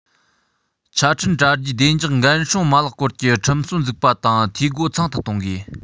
ཆ འཕྲིན དྲ རྒྱའི བདེ འཇགས འགན སྲུང མ ལག སྐོར གྱི ཁྲིམས སྲོལ འཛུགས པ དང འཐུས སྒོ ཚང དུ གཏོང དགོས